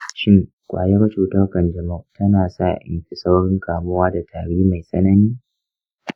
shin ƙwayar cutar kanjamau tana sa in fi saurin kamuwa da tari mai tsanani?